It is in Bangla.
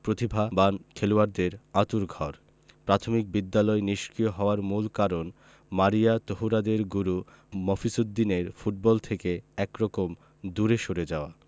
প্রতিভাবান খেলোয়াড়দের আঁতুড়ঘর প্রাথমিক বিদ্যালয় নিষ্ক্রিয় হওয়ার মূল কারণ মারিয়া তহুরাদের গুরু মফিজ উদ্দিনের ফুটবল থেকে একরকম দূরে সরে যাওয়া